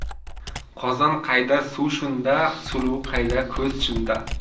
qozon qayda suv shunda suluv qayda ko'z shunda